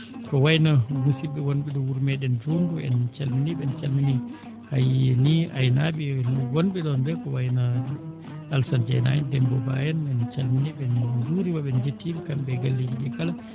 ko wayi no musidɓe wonɓe ɗo wuro meeɗen Dondou en calminii ɓe en calminii ayini aynaaɓe wonɓe ɗoon ɓee ko wayi no Alassane Deiyna en Déde Dumba en en calminii ɓe en njuuriima ɓe en njettii ɓe kamɓe e galleeji ɗii kala